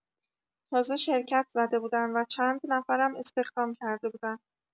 تازه شرکت زده بودن و چند نفرم استخدام کرده بودن.